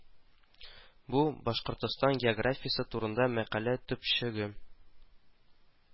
Бу Башкортстан географиясе турында мәкалә төпчеге